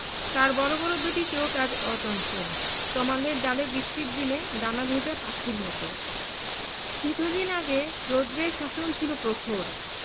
তার বড় বড় দুটি চোখ আজ অচঞ্চল তমালের ডালে বৃষ্টির দিনে ডানা ভেজা পাখির মত কিছুদিন আগে রৌদ্রের শাসন ছিল প্রখর